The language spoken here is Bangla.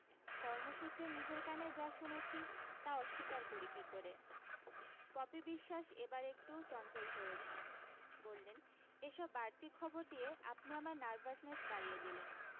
কর্মসূত্রে নিজের কানে যা শুনেছি তা অস্বীকার করি কী করে পপি বিশ্বাস এবার একটু চঞ্চল হয়ে উঠলেন বললেন এই সব বাড়তি খবর দিয়ে আপনি আমার নার্ভাসনেস বাড়িয়ে দিলেন